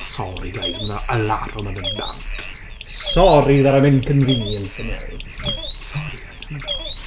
Sori guys ma' 'na alarwm yn mynd bant. Sori that I'm inconveniencing you. Sori guys, oh my gosh.